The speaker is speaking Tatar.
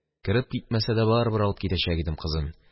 Кереп китмәсә дә, барыбер алып китәчәк идем кызын.